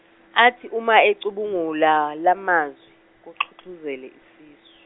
athi uma ecubungula lamazwi kuxhuxhuzele isis-.